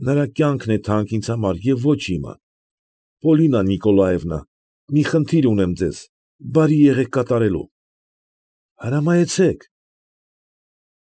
Նրա կյանքն է թանկ ինձ համար և ոչ իմը, Պոլինա Նիկոլաևնա, մի խնդիր ունեմ ձեզ, բարի եղեք կատարելու։ ֊ Հրամայեցե՛ք։ ֊